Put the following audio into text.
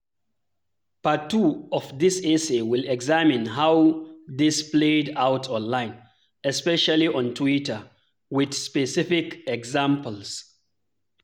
Part II of this essay will examine how this played out online, especially on Twitter, with specific examples.